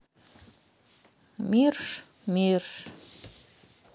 мирш мирш